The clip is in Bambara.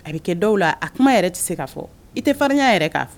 A bɛ kɛ dɔw la a kuma yɛrɛ tɛ se k'a fɔ i tɛ farinya yɛrɛ k'a fɔ